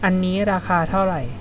อันนี้ราคาเท่าไร